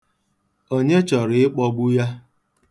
Onye chọrọ ịkpọgbu ya?